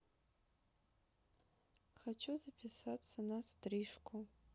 хочу записаться на стрижку